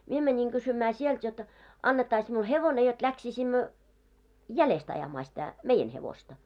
minä menin kysymään sieltä jotta annettaisiin minulle hevonen jotta lähtisimme jäljestä ajamaan sitä meidän hevosta